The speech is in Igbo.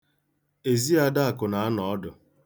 Ezi Adakụ na-anọ ọdụ.